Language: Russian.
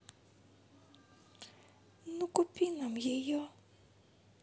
ну купи нам ее